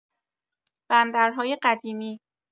بندرهای قدیمی